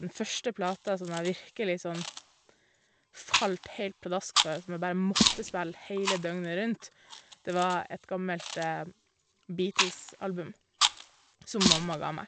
Den første platen som jeg virkelig sånn falt heilt pladask for, som jeg bare måtte spille hele døgnet rundt, det var et gammelt Beatles-album som mamma ga meg.